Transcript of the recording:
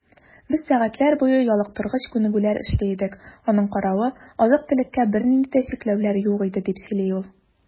Без сәгатьләр буе ялыктыргыч күнегүләр эшли идек, аның каравы, азык-төлеккә бернинди дә чикләүләр юк иде, - дип сөйли ул.